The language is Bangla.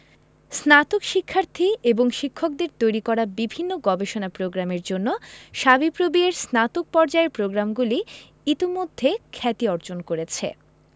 স্নাতক শিক্ষার্থী এবং শিক্ষকদের তৈরি করা বিভিন্ন গবেষণা প্রোগ্রামের জন্য সাবিপ্রবি এর স্নাতক পর্যায়ের প্রগ্রামগুলি ইতোমধ্যে খ্যাতি অর্জন করেছে